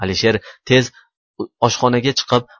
alisher tez oshxonaga chiqib